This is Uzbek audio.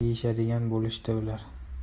deyishadigan bo'lishdi ular